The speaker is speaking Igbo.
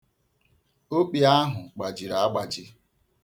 Okpi ahụ gbajiri agbaji